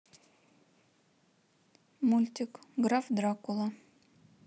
мультик граф дракула